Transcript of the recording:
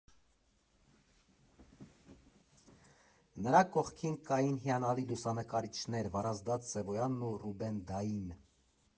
Նրա կողքին կային հիանալի լուսանկարիչներ Վարազդատ Սևոյանն ու Ռուբեն֊դային։